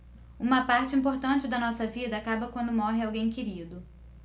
uma parte importante da nossa vida acaba quando morre alguém querido